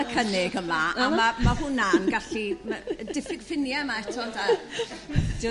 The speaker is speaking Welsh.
y cynnig yma a ma' rna' hwnna'n gallu... Ma'... Yrr diffyg ffinia' yma eto ynde?